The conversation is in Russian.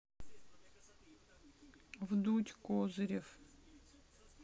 вдудь козырев